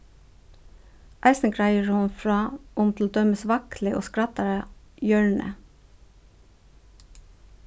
eisini greiðir hon frá um til dømis vaglið og skraddarahjørnið